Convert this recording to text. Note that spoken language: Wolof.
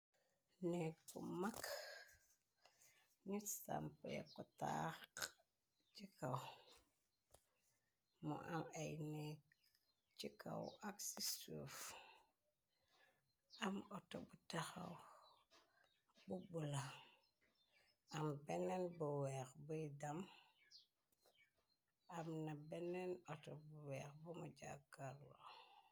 Nekk bu mag nut sàmpre ko taax ci kaw moo am ay nekk ci kaw. Ak ci suuf am auto bu taxaw bubbula am beneen bu weex buy dem. Am na beneen auto bu weex bumu jakkarlo.